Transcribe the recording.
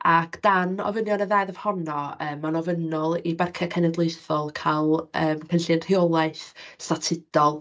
Ac dan ofynion y ddeddf honno yy, mae'n ofynnol i barciau cenedlaethol cael yym cynllun rheolaeth statudol.